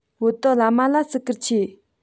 བོད དུ བླ མ ལ བརྩི བཀུར ཆེ